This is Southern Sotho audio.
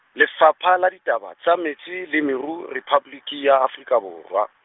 Lefapha la Ditaba tsa Metsi le Meru Rephaboliki ya Afrika Borwa.